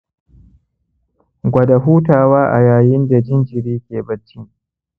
gwada hutawa a yayin da jinjiri ke bacci